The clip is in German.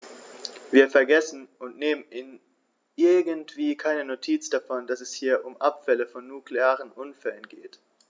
Wir vergessen, und nehmen irgendwie keine Notiz davon, dass es hier um Abfälle von nuklearen Unfällen geht.